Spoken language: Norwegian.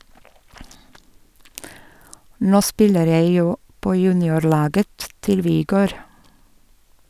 - Nå spiller jeg jo på juniorlaget til Vigør.